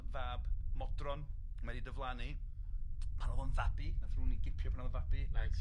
fab Modron, mae 'di diflannu pan o'dd o'n fabi, nath rwun 'i gipio pan o'dd o'n fabi. Reit.